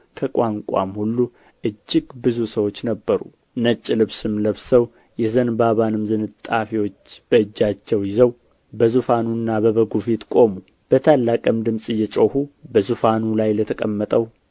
ከቋንቋም ሁሉ እጅግ ብዙ ሰዎች ነበሩ ነጭ ልብስም ለብሰው የዘንባባንም ዝንጣፊዎች በእጆቻቸው ይዘው በዙፋኑና በበጉ ፊት ቆሙ በታላቅም ድምፅ እየጮሁ በዙፋኑ ላይ ለተቀመጠው